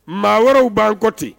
Maa wɛrɛw b'an kɔ ten